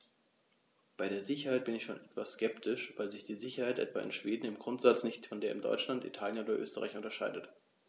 Bei der Sicherheit bin ich schon etwas skeptisch, weil sich die Sicherheit etwa in Schweden im Grundsatz nicht von der in Deutschland, Italien oder Österreich unterscheidet.